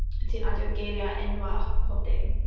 Ti'n adio geiriau enwau pob dim.